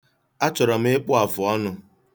Achọrọ m ịkpụ afụọnụ.